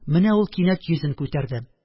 Менә ул кинәт йөзен күтәрде,